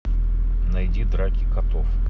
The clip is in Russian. найди драки котов